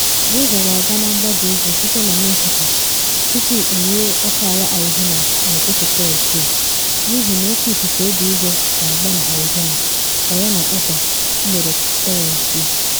Rosa ga aga na mgbada ugwu site na Mexico tupu o ruo okeala Arizona n'ụtụtụ Tuzdee n'ihi na oke ifufe egbeigwe ga agba na Arizona banye na Utah mgbede Tuzdee.